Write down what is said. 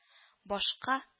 Башка